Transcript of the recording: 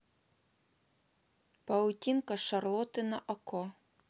паутинка шарлотты на окко